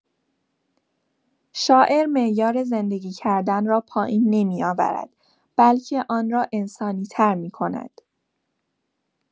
شاعر معیار زندگی کردن را پایین نمی‌آورد، بلکه آن را انسانی‌تر می‌کند.